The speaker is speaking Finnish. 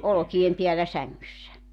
olkien päällä sängyssä